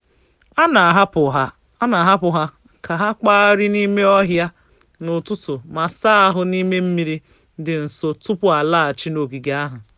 A na-ahapụ ha ka ha kpagharị n'ime ọhịa n'ụtụtụ ma saa ahụ n'ime mmiri dị nso tụpụ ha alaghachi n'ogige ahụ.